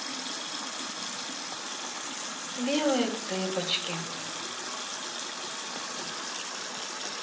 белые цыпочки